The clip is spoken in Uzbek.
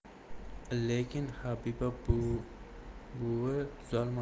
lekin habiba buvi tuzalmadi